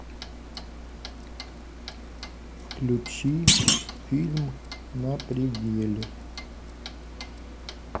включи фильм на пределе